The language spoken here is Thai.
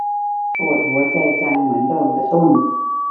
ปวดหัวใจจังเหมือนโดนกระตุ้น